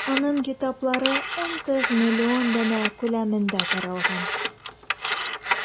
Аның китаплары 30 миллион данә күләмендә таралган.